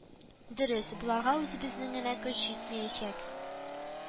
Дөрес, боларга үзебезнең генә көч җитмәячәк